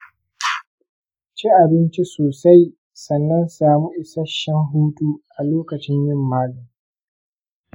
ci abinci sosai sannan samu isasshen hutu a lokaci yin magani.